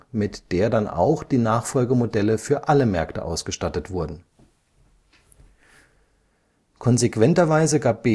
mit der dann auch die Nachfolgemodelle für alle Märkte ausgestattet wurden. Konsequenterweise gab